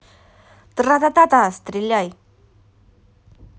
трататата стреляй